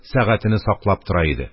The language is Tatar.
Сәгатене саклап тора иде.